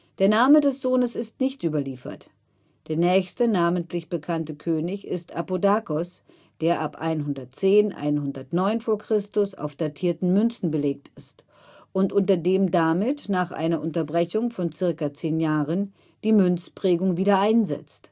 Der Name des Sohnes ist nicht überliefert. Der nächste namentlich bekannte König ist Apodakos, der ab 110/09 v. Chr. auf datierten Münzen belegt ist, und unter dem damit, nach einer Unterbrechung von ca. 10 Jahren die Münzprägung wieder einsetzt